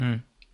Hmm.